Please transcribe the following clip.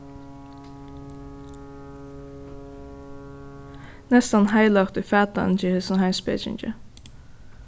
næstan heilagt í fatanini hjá hesum heimspekingi